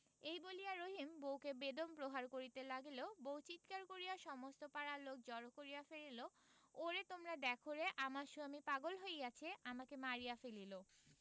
এই বলিয়া রহিম বউকে বেদম প্রহার করিতে লাগিল বউ চিৎকার করিয়া সমস্ত পাড়ার লোক জড় করিয়া ফেলিল ওরে তোমরা দেখরে আমার সোয়ামী পাগল হইয়াছে আমাকে মারিয়া ফেলিল